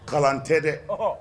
Kalan tɛ dɛ, ɔhɔ!